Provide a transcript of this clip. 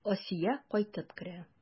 Асия кайтып керә.